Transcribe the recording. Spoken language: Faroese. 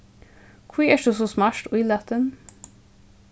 hví ert tú so smart ílatin